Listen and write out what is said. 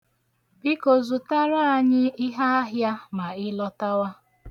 Biko zụtara anyị iheahịa ma ị lọtawa.